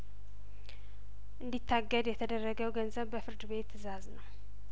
እንዲታገድ የተደረገው ገንዘብ በፍርድ ቤት ትዛዝ ነው